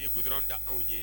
I ye goudron da aw ye